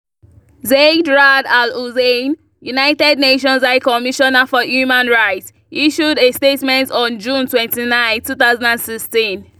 Zeid Ra'ad Al Hussein, United Nations High Commissioner for Human Rights, issued a statement on June 29, 2016.